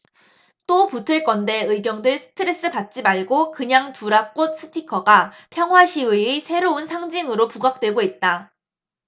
또 붙을 건데 의경들 스트레스 받지 말고 그냥 두라 꽃 스티커가 평화시위의 새로운 상징으로 부각되고 있다